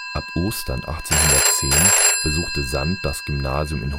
Ab Ostern 1810 besuchte Sand das Gymnasium